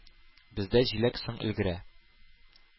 “бездә җиләк соң өлгерә.